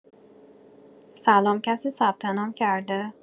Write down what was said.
سلام کسی ثبت‌نام کرده؟